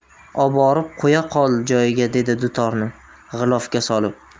oborib qo'ya qol joyiga dedi dutorni g'ilofga solib